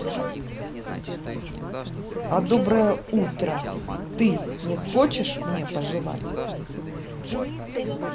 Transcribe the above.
а доброе утро ты не хочешь мне пожелать